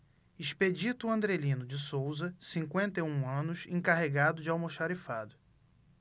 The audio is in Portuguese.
expedito andrelino de souza cinquenta e um anos encarregado de almoxarifado